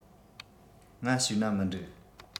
ང བྱས ན མི འགྲིག